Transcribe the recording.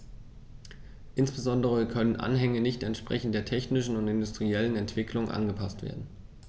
Insbesondere können Anhänge nicht entsprechend der technischen und industriellen Entwicklung angepaßt werden.